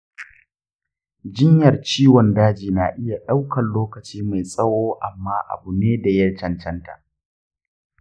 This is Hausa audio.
jinyar ciwon daji na iya daukan lokaci mai tsawo amma abune daya cancanta.